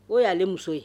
O y'ale muso ye.